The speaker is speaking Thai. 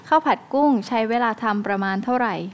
ข้าวผัดกุ้งใช้เวลาทำประมาณเท่าไหร่